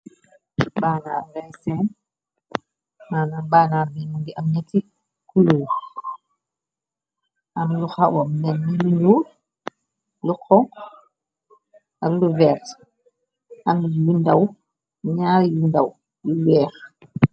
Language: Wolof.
Bannar ngay sèèn manam bannar bi mu ngi am ñetti kulor am yu xawa melni ñuul lu xonxu ak lu verte am yu ndaw ñaar yu ndaw yu wèèx .